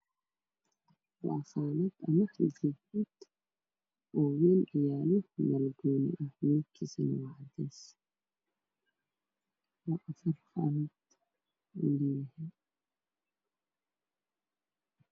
Waa armaajo kaladkeedu yahay caddaan caddays waxay tahay mutuel cadaan darbiga waa caddaan